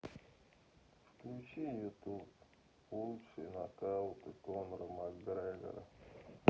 включи ютуб лучшие нокауты конора макгрегора